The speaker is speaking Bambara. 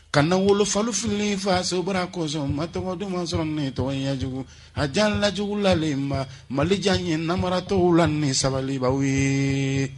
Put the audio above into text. Ka na wolofalofi fasobara kɔsɔn n ma tɔgɔ duman sɔrɔ nin tɔgɔ ɲɛjugu a diyala jugulalen ba Mali ja n ye namaratɔw la ni sabalibaw ye